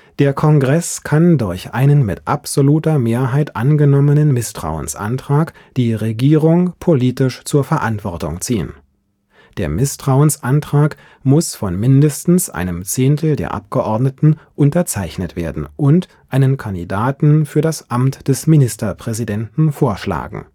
Der Kongress kann durch einen mit absoluter Mehrheit angenommenen Misstrauensantrag die Regierung politisch zur Verantwortung ziehen. (2) Der Misstrauensantrag muss von mindestens einem Zehntel der Abgeordneten unterzeichnet werden und einen Kandidaten für das Amt des Ministerpräsidenten vorschlagen